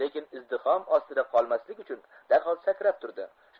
lekin izdihom ostida qolmaslik uchun darhol sakrab turdi